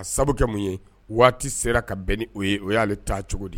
Sababu kɛ mun ye waati sera ka bɛn ni o ye o y'ale taa cogo di